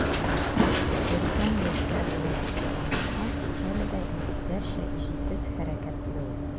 Өлкән яшьтә булуына карамастан, әле дә егетләрчә җитез хәрәкәтле ул.